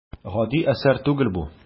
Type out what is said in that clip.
Гади әсәр түгел бу.